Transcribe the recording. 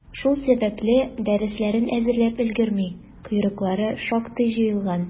Шул сәбәпле, дәресләрен әзерләп өлгерми, «койрыклары» шактый җыелган.